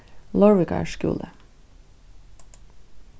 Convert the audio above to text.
leirvíkar skúli